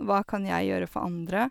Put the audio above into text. Hva kan jeg gjøre for andre?